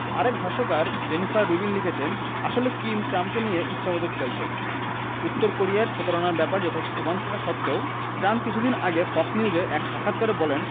আরেক ভাষ্যকার Jennifer Rubin লিখেছেন আসলে কিম ট্রাম্পকে নিয়ে ইচ্ছেমতো খেলছেন উত্তর কোরিয়ার প্রতারণার ব্যাপারে যথেষ্ট প্রমাণ থাকা সত্ত্বেও ট্রাম্প কিছুদিন আগে ফক্স নিউজে এক সাক্ষাৎকারে বলেন